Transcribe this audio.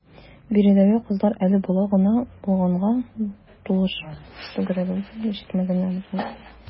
Биредәге кызлар әле бала гына булганга, тулышып, түгәрәкләнеп җитмәгәннәр.